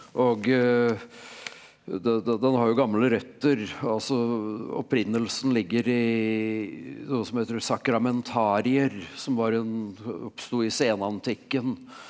og den har jo gamle røtter og altså opprinnelsen ligger i noe som heter sakramentarier som var en oppsto i senantikken.